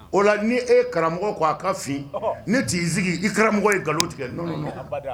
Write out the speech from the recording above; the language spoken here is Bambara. O la ni e ye karamɔgɔ ko a ka f ne t y'i sigi i karamɔgɔ ye nkalon tigɛ n